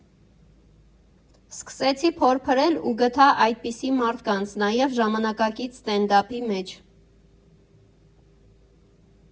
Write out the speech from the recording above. Սկսեցի փորփրել ու գտա այդպիսի մարդկանց նաև ժամանակակից ստենդափի մեջ։